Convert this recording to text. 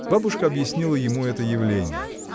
Бабушка объяснила ему это явление.